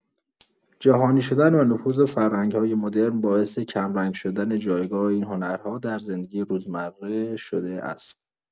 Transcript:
جهانی‌شدن و نفوذ فرهنگ‌های مدرن باعث کم‌رنگ شدن جایگاه این هنرها در زندگی روزمره شده است.